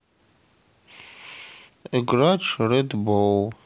играть ред бол